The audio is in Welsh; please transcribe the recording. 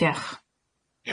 Diolch.